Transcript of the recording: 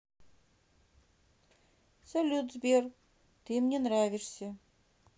салют сбер ты мне нравишься